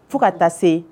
Fo ka taa se